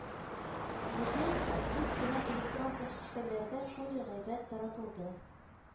Бүген күп кенә электрон сәхифәләрдә шундый гаибәт таратылды